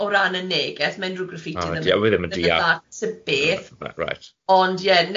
o ran y neges, ma' unrhyw graffiti ddim yn dda sa' beth, ond ie ne'